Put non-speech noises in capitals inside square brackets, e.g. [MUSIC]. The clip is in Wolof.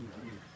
[HESITATION] [HESITATION]